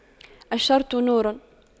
الشرط نور